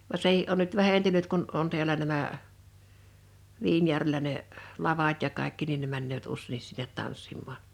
vaan sekin on nyt vähentynyt kun on täällä nämä Viinijärvellä ne lavat ja kaikki niin ne menevät useinkin sinne tanssimaan